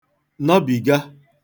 nọbìga